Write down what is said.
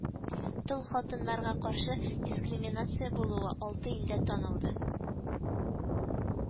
Тол хатыннарга каршы дискриминация булуы алты илдә танылды